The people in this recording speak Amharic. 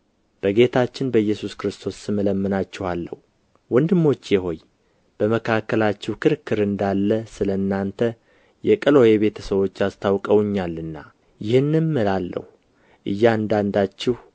በጌታችን በኢየሱስ ክርስቶስ ስም እለምናችኋለሁ ወንድሞቼ ሆይ በመካከላችሁ ክርክር እንዳለ ስለ እናንተ የቀሎዔ ቤተ ሰዎች አስታውቀውኛልና ይህንም እላለሁ እያንዳንዳችሁ